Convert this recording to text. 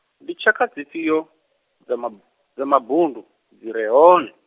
ndi tshakha dzi fhio, dza mab- dza mabundu, dzire hone?